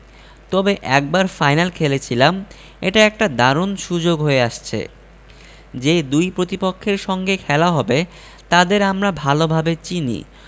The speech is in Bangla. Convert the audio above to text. তবে একবার ফাইনাল খেলেছিলাম এটা একটা দারুণ সুযোগ হয়ে আসছে যে দুই প্রতিপক্ষের সঙ্গে খেলা হবে তাদের আমরা ভালোভাবে চিনি